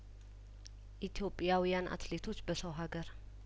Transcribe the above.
ኢትዮጵያዊያን አትሌቶች በሰው ሀገር